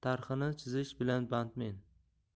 tarhini chizish bilan bandmen